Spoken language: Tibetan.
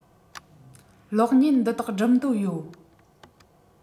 གློག བརྙན འདི དག སྒྲུབ འདོད ཡོད